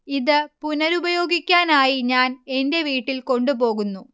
ഇത് പുനരുപയോഗിക്കാനായി ഞാൻ എന്റെ വീട്ടിൽ കൊണ്ട് പോകുന്നു